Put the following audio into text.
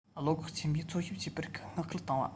བློ ཁོག ཆེན པོས འཚོལ ཞིབ བྱེད པར བསྔགས སྐུལ བཏང བ